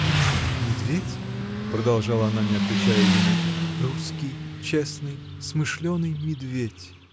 — Тушин — медведь, — продолжала она, не отвечая ему, — русский, честный, смышленый медведь.